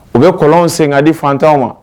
U bɛ kɔlɔn sen ka di fantanw ma